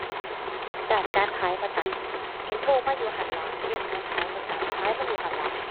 ด้านการขายประกัน เห็นโทรมาอยู่หั้นล่ะ เรื่องการขายประกัน ขายมันอยู่หั้นล่ะ